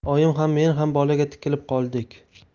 oyim ham men ham bolaga tikilib qoldik